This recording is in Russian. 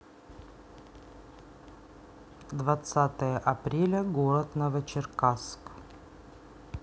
двадцатое апреля город новочеркасск